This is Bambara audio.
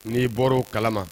N'i bɔra kalama